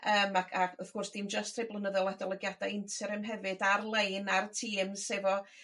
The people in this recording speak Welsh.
yym ac ac wrth gwrs dim jyst rhei blynyddol adolygiada interim hefyd ar lein ar y tîms efo